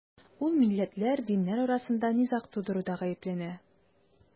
Ул милләтләр, диннәр арасында низаг тудыруда гаепләнә.